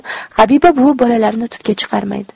habiba buvi bolalarni tutga chiqarmaydi